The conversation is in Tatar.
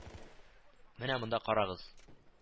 Менә монда карагыз